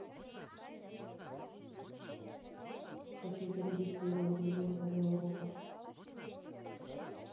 хочу зарегистрировать ребенка для уроков